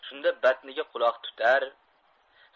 shunda batniga quloq tutar